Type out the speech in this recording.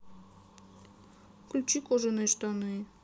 включи кожаные штаны